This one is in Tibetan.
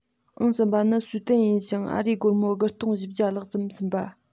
ཨང གསུམ པ ནི སུའེ ཏེན ཡིན ཞིང ཨ རིའི སྒོར མོ དགུ སྟོང བཞི བརྒྱ ལྷག ཙམ ཟིན པ